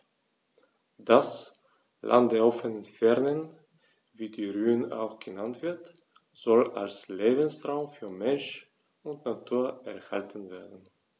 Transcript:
Das „Land der offenen Fernen“, wie die Rhön auch genannt wird, soll als Lebensraum für Mensch und Natur erhalten werden.